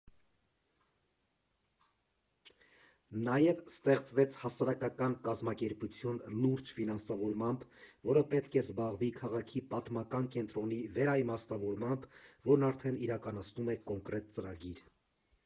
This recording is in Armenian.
Նաև ստեղծվեց հասարակական կազմակերպություն լուրջ ֆինանսավորմամբ, որը պետք է զբաղվի քաղաքի պատմական կենտրոնի վերաիմաստավորմամբ, որն արդեն իրականացնում է կոնկրետ ծրագրեր։